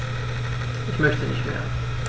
Ich möchte nicht mehr.